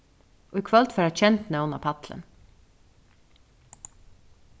í kvøld fara kend nøvn á pallin